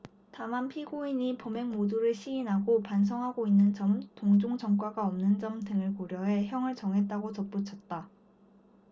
다만 피고인이 범행 모두를 시인하고 반성하고 있는 점 동종 전과가 없는 점 등을 고려해 형을 정했다고 덧붙였다